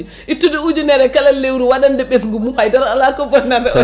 ittude ujunere kala lewru waɗande ɓesgu mum haydra ala ko bonnata